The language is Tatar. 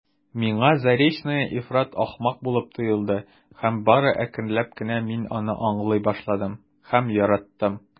Миңа Заречная ифрат ахмак булып тоелды һәм бары әкренләп кенә мин аны аңлый башладым һәм яраттым.